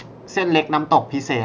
เส้นเล็กน้ำตกพิเศษ